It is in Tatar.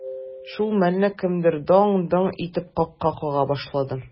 Шул мәлне кемдер даң-доң итеп капка кага башлады.